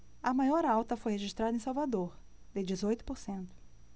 a maior alta foi registrada em salvador de dezoito por cento